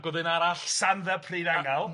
Ag o'dd un arall... Sanddef Bryd Angel...